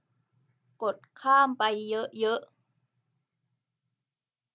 กดข้ามไปเยอะเยอะ